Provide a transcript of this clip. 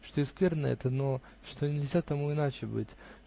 что и скверно это, но что и нельзя тому иначе быть